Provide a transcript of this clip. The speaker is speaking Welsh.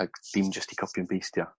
ag dim jyst 'di copi a pasteio